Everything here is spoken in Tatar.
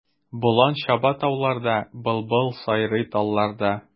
Болан чаба тауларда, былбыл сайрый талларда.